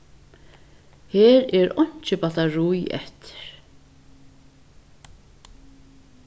her er einki battarí eftir